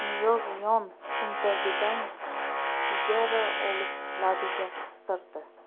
niyoz yon cho'ntagidan sigara olib labiga qistirdi